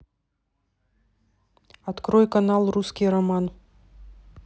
открой канал русский роман